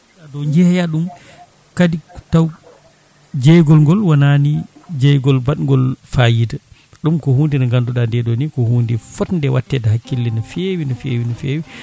a dow jeeya ɗum kadi taw jeeygol ngol wonani jeeygol badgol fayida ɗum ko hunde nde ganduɗa nde ɗo ni ko hunde fodde wattede hakkille no fewi no fewi no fewi